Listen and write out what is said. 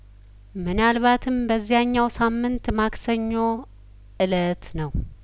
ምናልባትም በዚያኛው ሳምንት ማክሰኞ እለት ነው